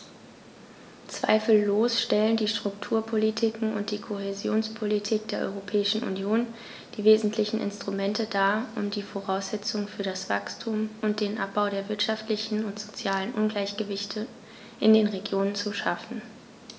Zweifellos stellen die Strukturpolitiken und die Kohäsionspolitik der Europäischen Union die wesentlichen Instrumente dar, um die Voraussetzungen für das Wachstum und den Abbau der wirtschaftlichen und sozialen Ungleichgewichte in den Regionen zu schaffen.